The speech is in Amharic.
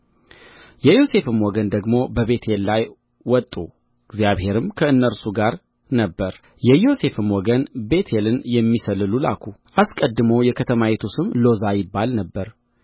የዮሴፍም ወገን ደግሞ በቤቴል ላይ ወጡ እግዚአብሔርም ከእነርሱ ጋር ነበረ የዮሴፍም ወገን ቤቴልን የሚሰልሉ ላኩ አስቀድሞም የከተማይቱ ስም ሎዛ ይባል ነበር